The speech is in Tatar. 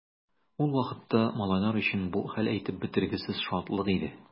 Ул вакытта малайлар өчен бу хәл әйтеп бетергесез шатлык иде.